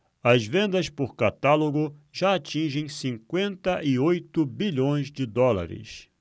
as vendas por catálogo já atingem cinquenta e oito bilhões de dólares